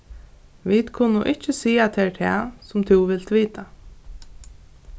vit kunnu ikki siga tær tað sum tú vilt vita